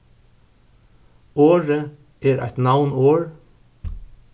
orðið er eitt navnorð